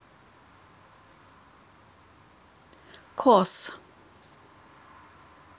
cause